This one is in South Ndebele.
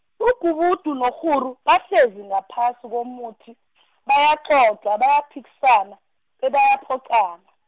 ugubudu nekghuru bahlezi ngaphasi komuthi , bayacoca bayaphikisana, bebayaphoqana.